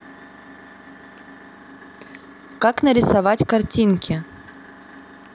как нарисовать картинки